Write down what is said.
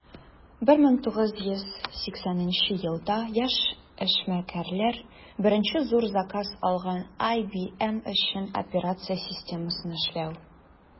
1980 елда яшь эшмәкәрләр беренче зур заказ алган - ibm өчен операция системасын эшләү.